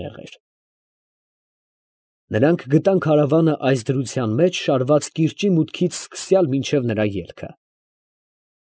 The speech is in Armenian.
Նրանք գտան քարավանը այս դրության մեջ շարված կիրճի մուտքից սկսյալ մինչև նրա ելքը։